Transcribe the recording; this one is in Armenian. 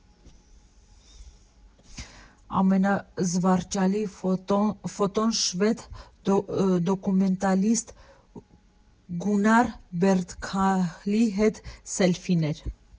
Ամենազվարճալի ֆոտոն շվեդ դոկումենտալիստ Գուննար Բերգդահլի հետ սելֆին էր։